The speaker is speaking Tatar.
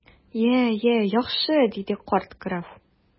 Я, я, яхшы! - диде карт граф.